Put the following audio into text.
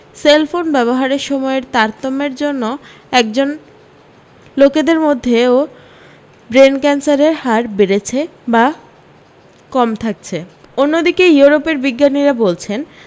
cellphone ব্যবহারের সময়ের তারতম্যের একজন লোকেদের মধ্যে ও ব্রেন ক্যানসারের হার বেড়েছে বা কম থাকছে অন্যদিকে ইউরোপের বিজ্ঞানীরা বলছেন